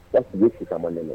Ba sika ma nɛ